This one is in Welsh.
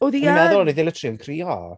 Odd hi yn!... Dwi'n meddwl oedd hi literally yn crio.